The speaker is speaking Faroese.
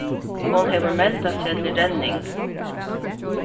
hon hevur meldað seg til renning